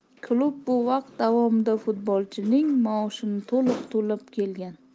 klub bu vaqt davomida futbolchining maoshini to'liq to'lab kelgan